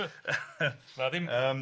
Ma' ddim yym.